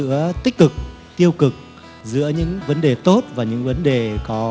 giữa tích cực tiêu cực giữa những vấn đề tốt và những vấn đề có